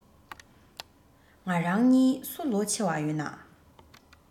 ང རང གཉིས སུ ལོ ཆེ བ ཡོད ན